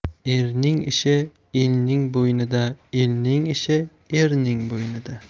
erning ishi elning bo'ynida elning ishi erning bo'ynida